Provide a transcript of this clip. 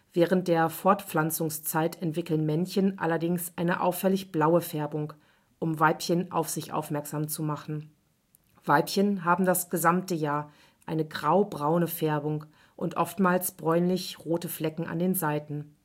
Während der Fortpflanzungszeit entwickeln Männchen allerdings eine auffällig blaue Färbung um Weibchen auf sich aufmerksam zu machen. Weibchen haben das gesamte Jahr eine grau-braune Färbung und oftmals bräunlich-rote Flecken an den Seiten